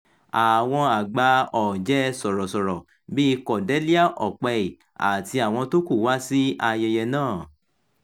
Àwọn àgbà ọ̀jẹ̀ẹ sọ̀rọ̀sọ̀rọ̀ bíi Cordelia Okpei àti àwọn tó kù wá sí ayẹyẹ náà.